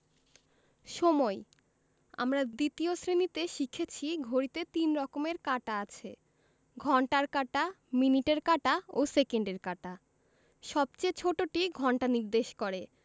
সময়ঃ আমরা ২য় শ্রেণিতে শিখেছি ঘড়িতে ৩ রকমের কাঁটা আছে ঘণ্টার কাঁটা মিনিটের কাঁটা ও সেকেন্ডের কাঁটা সবচেয়ে ছোটটি ঘন্টা নির্দেশ করে